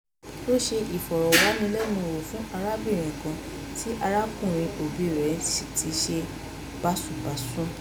Ó ṣe ìfọ̀rọ̀wánilẹ́nuwò fún arábìnrin kan tí arákùnrin òbí rẹ̀ ti ṣe báṣubàsu.